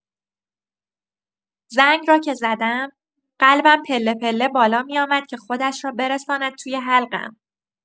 زنگ را که زدم، قلبم پله‌پله بالا می‌آمد که خودش را برساند توی حلقم.